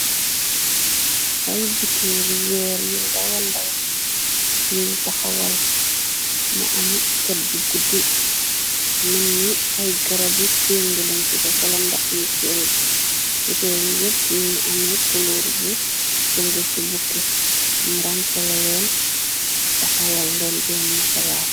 Ay buteel weer yu ndawandaw yuñ daxawal mu am cet bu gudu melni ay garabu pengu len fa def wala ndox ho pengu botal yepp mogi ame kuluur bu sogufi bukki ñu ransala leen taxawal len bena palaas.